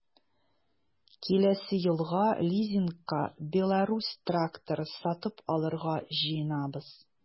Киләсе елга лизингка “Беларусь” тракторы сатып алырга җыенабыз.